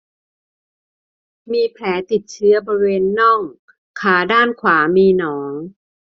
มีแผลติดเชื้อที่บริเวณน่องขาด้านขวามีหนอง